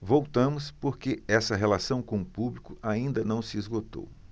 voltamos porque essa relação com o público ainda não se esgotou